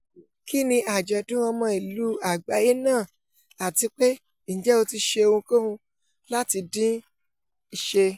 Kínni Àjọ̀dun Ọmọ Ìlú Àgbáyé náà àtipé Ǹjẹ́ ó ti Ṣe Ohunkóhun láti Din Ìṣé?